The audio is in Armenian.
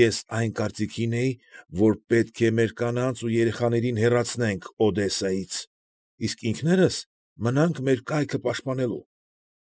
Ես այն կարծիքին էի, որ պետք է մեր կանանց ու երեխաներին հեռացնենք Օդեսայից, իսկ ինքներս մնանք մեր կայքը պաշտպանելու։